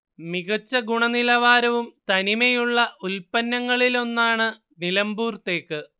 മികച്ച ഗുണനിലവാരവും തനിമയുമുള്ള ഉൽപ്പന്നങ്ങളിലൊന്നാണ് നിലമ്പൂർ തേക്ക്